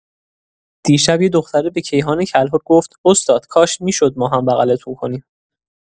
دیشب یه دختره به کیهان کلهر گفت استاد کاش می‌شد ماهم بغلتون کنیم.